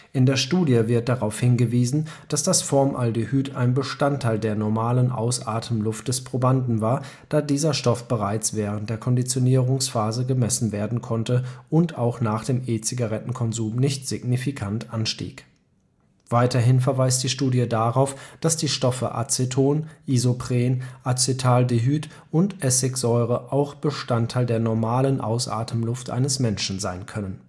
In der Studie wird darauf hingewiesen, dass das Formaldehyd ein Bestandteil der normalen Ausatemluft des Probanden war, da dieser Stoff bereits während der Konditionierungsphase gemessen werden konnte und auch nach dem E-Zigarettenkonsum nicht signifikant anstieg. Weiterhin verweist die Studie darauf, dass die Stoffe Aceton, Isopren, Acetaldehyd und Essigsäure auch Bestandteil der normalen Ausatemluft eines Menschen sein könnten